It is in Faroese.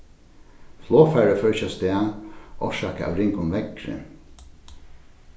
flogfarið fór ikki avstað orsakað av ringum veðri